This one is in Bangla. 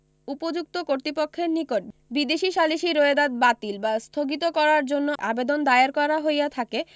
উপযুক্ত কর্তৃপক্ষের নিকট বিদেশী সালিসী রোয়েদাদ বাতলি বা স্থগিত করার জন্য আবেদন দায়ের করা হইয়া থাকে